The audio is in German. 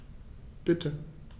Bitte.